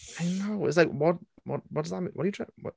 I know, it's like, what what what does that m-... what are you trying to wha-...?